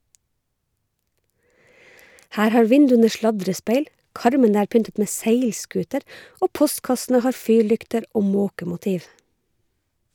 Her har vinduene sladrespeil, karmene er pyntet med seilskuter, og postkassene har fyrlykter og måkemotiv.